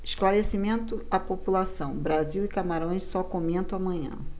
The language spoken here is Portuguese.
esclarecimento à população brasil e camarões só comento amanhã